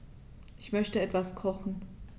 Ich möchte etwas kochen.